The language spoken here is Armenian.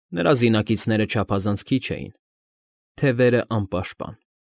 Նրա զինակիցները չափազանց քիչ էին, թևերն անպաշտպան։